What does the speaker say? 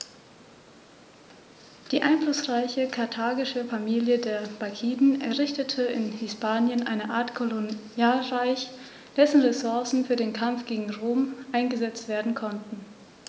Die einflussreiche karthagische Familie der Barkiden errichtete in Hispanien eine Art Kolonialreich, dessen Ressourcen für den Kampf gegen Rom eingesetzt werden konnten.